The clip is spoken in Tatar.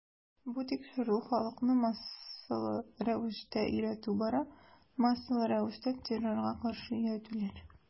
Бу тикшерү, халыкны массалы рәвештә өйрәтү бара, массалы рәвештә террорга каршы өйрәтүләр.